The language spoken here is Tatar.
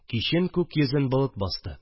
Кичен күк йөзен болыт басты